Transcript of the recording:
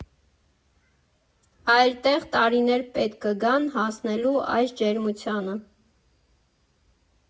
Այլ տեղ տարիներ պետք կգան հասնելու այս ջերմությանը։